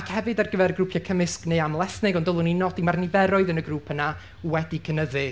Hefyd ar gyfer y grwpiau cymysg neu amlethnig, ond dylwn i nodi mae'r niferoedd yn y grŵp yna wedi cynyddu,